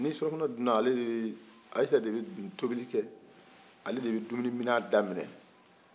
ni surafana dunna ale de bi ayisa de bi tobili kɛ ale de bi dumuni mina da minɛ